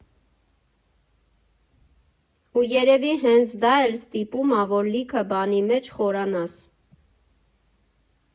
Ու երևի հենց դա էլ ստիպում ա, որ լիքը բանի մեջ խորանաս։